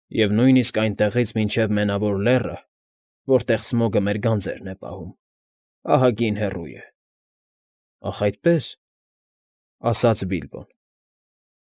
Եվ նույնիսկ այնտեղից մինչև Մենավոր Լեռը, որտեղ Սմոգը մեր գանձերն է պահում, ահագին հեռու է։ ֊ Ախ, այդպե՜ս,֊ ասաց Բիլբոն։